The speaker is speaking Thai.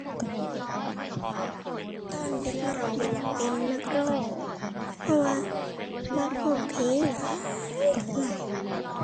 ตอนเด็กน้อยก็อยากเป็นนักร้อง เพราะว่ามักก็เพลงหลาย หลาย